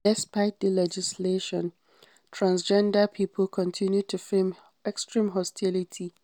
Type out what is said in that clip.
Despite the legislation, transgender people continue to face extreme hostility.